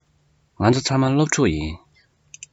ང ཚོ ཚང མ སློབ ཕྲུག ཡིན